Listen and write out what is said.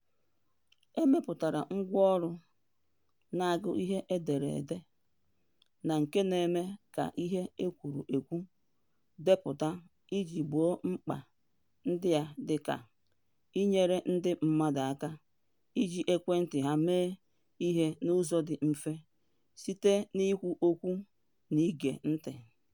E mepụtara ngwáọrụ na-agụ ihe e dere ede na nke na-eme ka ihe e kwuru ekwu depụta iji gboo mpka ndị a dịka: inyere ndị mmadụ aka iji ekwentị ha mee ihe n'ụzọ dị mfe, site n'ikwu okwu na ige ntị